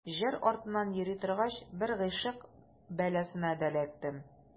Җыр артыннан йөри торгач, бер гыйшык бәласенә дә эләктем.